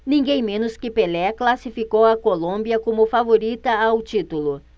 ninguém menos que pelé classificou a colômbia como favorita ao título